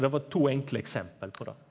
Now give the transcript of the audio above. det var to enkle eksempel på det.